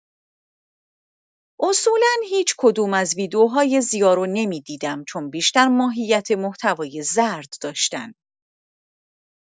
اصولا هیچ کدوم از ویدیوهای ضیا رو نمی‌دیدم چون بیشتر ماهیت محتوای زرد داشتن.